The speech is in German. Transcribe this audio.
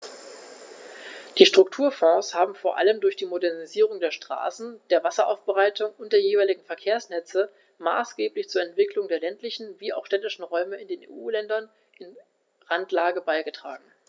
Die Strukturfonds haben vor allem durch die Modernisierung der Straßen, der Wasseraufbereitung und der jeweiligen Verkehrsnetze maßgeblich zur Entwicklung der ländlichen wie auch städtischen Räume in den EU-Ländern in Randlage beigetragen.